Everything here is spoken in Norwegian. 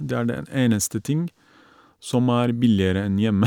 Det er den eneste ting som er billigere enn hjemme.